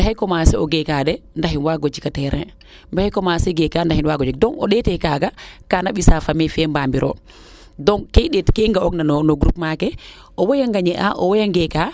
maxey commencer o geeka de ndax im waago jiko terrain maxey commencer geeka ndax im waago jeg donc o ndeete kaaga kaama ɓisa famille fee mbamir o donc kee i nga o gina no groupement ke owey gagner a owey a ngeeka